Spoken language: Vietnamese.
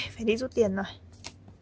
hầy phải đi rút tiền òi